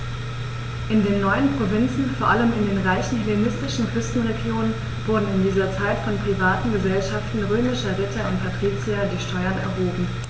In den neuen Provinzen, vor allem in den reichen hellenistischen Küstenregionen, wurden in dieser Zeit von privaten „Gesellschaften“ römischer Ritter und Patrizier die Steuern erhoben.